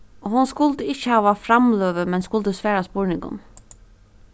hon skuldi ikki hava framløgu men skuldi svara spurningum